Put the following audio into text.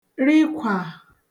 rikwà